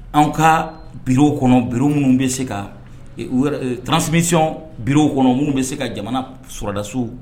An ka biw kɔnɔ bi minnu bɛ se ka transimiy biw kɔnɔ minnu bɛ se ka jamana sɔrɔdaso